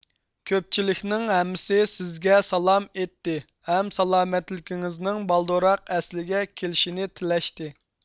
كۆپچىلىكنىڭ ھەممىسى سىزگە سالام ئېيتتى ھەم سالامەتلىكىڭىزنىڭ بالدۇراق ئەسلىگە كېلىشىنى تىلەشتى